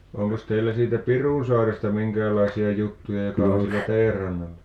onkos teillä siitä Pirunsaaresta minkäänlaisia juttuja joka on siinä teidän rannalla